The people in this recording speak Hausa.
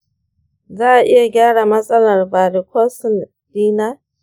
za a iya gyara matsalar varicocele ɗina?